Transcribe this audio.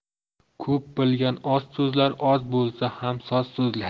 ko'p bilgan oz so'zlar oz bo'lsa ham soz so'zlar